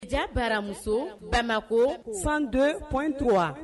Ja baramuso bamakɔ 102.3